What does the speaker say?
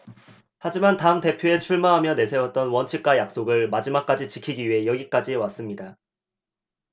하지만 당 대표에 출마하며 내세웠던 원칙과 약속을 마지막까지 지키기 위해 여기까지 왔습니다